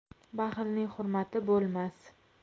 baxilning hurmati bo'lmas